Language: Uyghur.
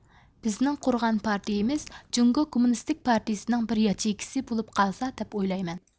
بىزنىڭ قۇرغان پارتىيىمىز جۇڭگو كوممۇنىستىك پارتىيىسىنىڭ بىر ياچېيكىسى بولۇپ قالسا دەپ ئويلايمەن